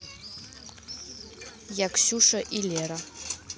я ксюша и лера